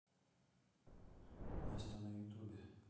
настя на ютубе